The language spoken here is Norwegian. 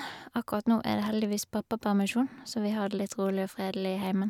Akkurat nå er det heldigvis pappapermisjon, så vi har det litt rolig og fredelig i heimen.